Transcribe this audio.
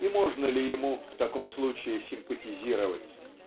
И можно ли ему в таком случае симпатизировать